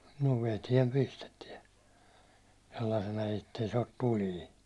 no veteen pistetään sellaisena että ei se ole tulinen